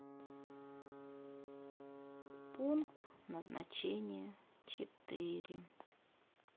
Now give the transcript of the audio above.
пункт назначения четыре